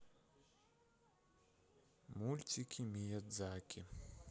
мультики миядзаки